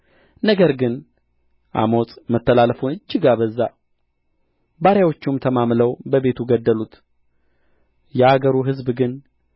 ነገር ግን አሞጽ መተላለፉን እጅግ አበዛ ባሪያዎቹም ተማምለው በቤቱ ገደሉት የአገሩ ሕዝብ ግን